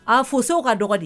A fossé ka dɔgɔ de